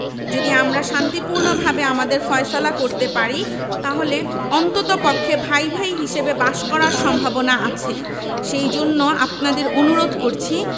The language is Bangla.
যদি আমরা শান্তিপূর্ণ ভাবে আমাদের ফয়সালা করতে পারি তাহলে অত্যন্ত পক্ষে ভাই ভাই হিসেবে বাস করার সম্ভাবনা আছে সেই জন্য আপনাদের অনুরোধ করছি